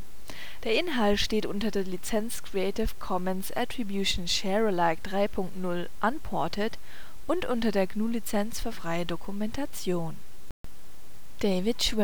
Der Inhalt steht unter der Lizenz Creative Commons Attribution Share Alike 3 Punkt 0 Unported und unter der GNU Lizenz für freie Dokumentation. David Schwimmer (2007) David